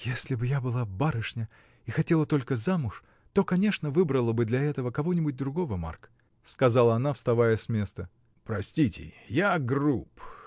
— Если б я была барышня и хотела только замуж, то, конечно, выбрала бы для этого кого-нибудь другого, Марк, — сказала она, вставая с места. — Простите — я груб!